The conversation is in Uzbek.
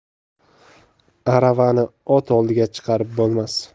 aravani ot oldiga chiqarib bo'lmas